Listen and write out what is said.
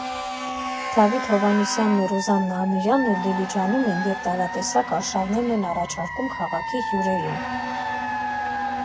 Դավիթ Հովհաննիսյանն ու Ռուզաննա Ամիրյանն էլ Դիլիջանում են և տարատեսակ արշավներ են առաջարկում քաղաքի հյուրերին։